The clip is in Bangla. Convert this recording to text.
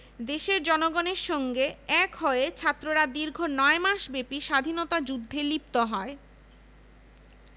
১৯৭৩ জারি করে এর ফলে বিশ্ববিদ্যালয়ের স্বায়ত্তশাসন ও গণতান্ত্রিক অধিকার পুনরুজ্জীবিত হয় স্বাধীনতা উত্তরকালে বিশ্ববিদ্যালয়ের ছাত্র